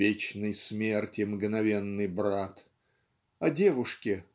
"вечной смерти мгновенный брат" о девушке